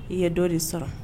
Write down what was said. I ye dɔ de sɔrɔ